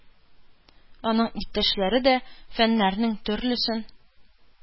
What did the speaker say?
Анын иптәшләре дә фәннәрнең, төрлесен,